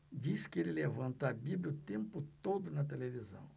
diz que ele levanta a bíblia o tempo todo na televisão